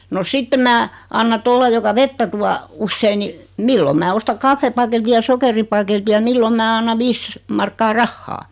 no sitten minä annan tuolle joka vettä tuo usein niin milloin minä ostan kahvipaketin ja sokeripaketin ja milloin minä annan viisi markkaa rahaa